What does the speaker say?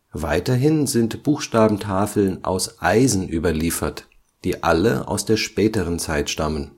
Weiterhin sind Buchstabentafeln aus Eisen überliefert, die alle aus der späteren Zeit stammen